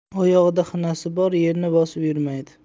oyog'ida xinasi bor yerni bosib yurmaydi